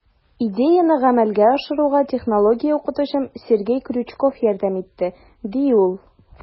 Идеяне гамәлгә ашыруга технология укытучым Сергей Крючков ярдәм итте, - ди ул.